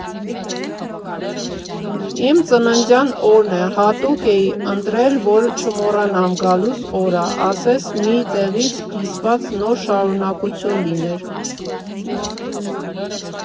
Իմ ծննդյան օրն է, հատուկ էի ընտրել, որ չմոռանամ գալուս օրը, ասես մի տեղից կիսված նոր շարունակություն լիներ։